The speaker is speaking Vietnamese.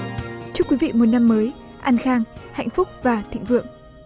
chúc quý vị một năm mới an khang hạnh phúc và thịnh vượng